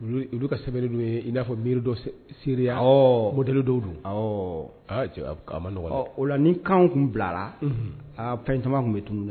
Olu, olu ka sɛbɛnni ye i na fɔ miiri dɔ seereya, awɔ, modèle dɔw don, awɔ, a cɛ a ma nɔgɔ, dɛ, o la ni kanw tun bilara, unhun, a fɛn caman tun bɛ tunun dɛ.